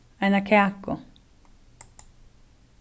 eina kaku